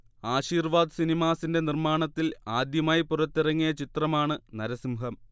ആശീർവാദ് സിനിമാസിന്റെ നിർമ്മാണത്തിൽ ആദ്യമായി പുറത്തിറങ്ങിയ ചിത്രമാണ് നരസിംഹം